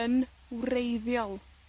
yn wreiddiol.